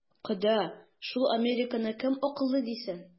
Кода, шул американканы кем акыллы дисен?